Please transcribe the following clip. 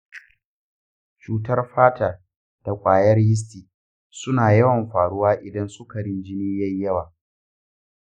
cutar fata da ƙwayar yisti suna yawan faruwa idan sukarin jini ya yi yawa.